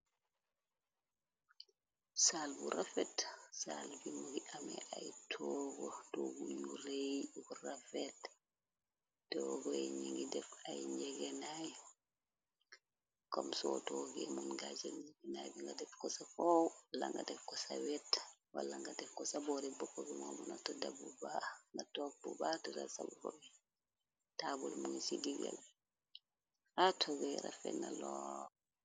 saal bu rafet saal bi mugi amee ay toog doogu yu rëey bu rafet teogoy ñi ngi def ay njegeenaay kom soo toogee muñ gaajal ginay bi nga def ko sa foow wala nga def ko sa weet wala nga def ko sa boore bëkko bi moo bu natodebbu baa nga toppu baatu tal sabro bi taabal muy ci gigel xaa toogee rafetnaloo